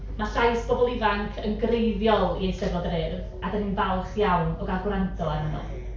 Ma' llais pobl ifanc yn greiddiol i Eisteddfod yr Urdd, a dan ni'n falch iawn o gael gwrando arnyn nhw.